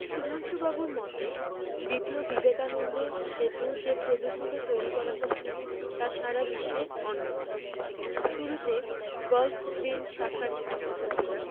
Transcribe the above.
সুধাংশুবাবুর মতে দ্বিতীয় বিবেকানন্দ সেতু যে প্রযুক্তিতে তৈরী করা হচ্ছে তা সারা বিশ্বে অনন্য শুরুতে গল্ফগ্রিন শাখার ছাত্রছাত্রীরা